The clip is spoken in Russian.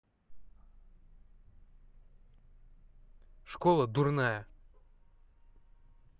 школа дурная